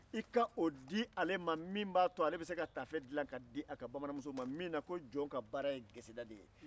i ka o di ale ma min b'a to ale bɛ se ka tafe dilan ka di a ka bamanan musow ma min na ko jɔn ka baara ye geseda de ye